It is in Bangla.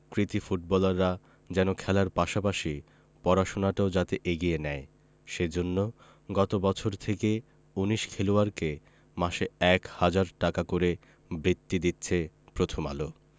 কৃতী ফুটবলাররা যেন খেলার পাশাপাশি পড়াশোনাটাও যাতে এগিয়ে নেয় সে জন্য গত বছর থেকে ১৯ খেলোয়াড়কে মাসে ১ হাজার টাকা করে বৃত্তি দিচ্ছে প্রথম আলো